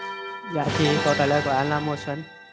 dạ chị câu trả lời của em là mùa xuân